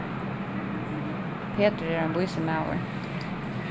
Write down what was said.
petur er ein vísur maður